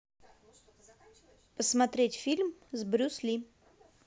посмотреть фильмы с брюс ли